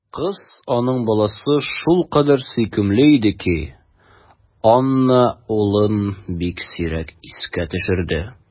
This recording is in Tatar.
Кыз, аның баласы, шулкадәр сөйкемле иде ки, Анна улын бик сирәк искә төшерде.